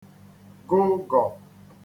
gụgọ̀